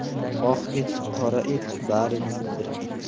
oq it qora it bari bir it